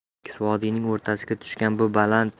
tekis vodiyning o'rtasiga tushgan bu baland